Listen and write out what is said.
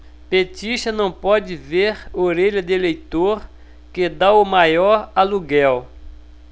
petista não pode ver orelha de eleitor que tá o maior aluguel